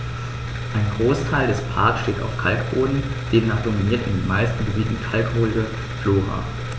Ein Großteil des Parks steht auf Kalkboden, demnach dominiert in den meisten Gebieten kalkholde Flora.